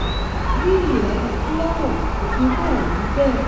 Ní ilẹ̀ Adúláwọ̀, kò fí bẹ́ẹ̀ rí bẹ́ẹ̀.